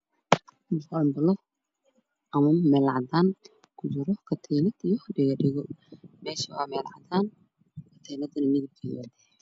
Meel caddaan ayaa loo waxaa ku jira kattiinaad iyo franti ka katiinada kalarlkeedu waa madow